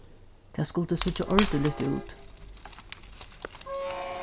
tað skuldi síggja ordiligt út